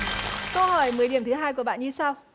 câu hỏi mười điểm thứ hai của bạn như sau